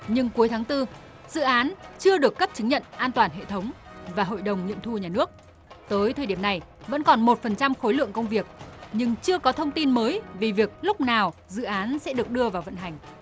nhưng cuối tháng tư dự án chưa được cấp chứng nhận an toàn hệ thống và hội đồng nghiệm thu nhà nước tới thời điểm này vẫn còn một phần trăm khối lượng công việc nhưng chưa có thông tin mới về việc lúc nào dự án sẽ được đưa vào vận hành